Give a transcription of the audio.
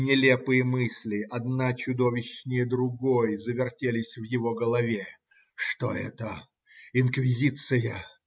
Нелепые мысли, одна чудовищнее другой, завертелись в его голове. Что это? Инквизиция?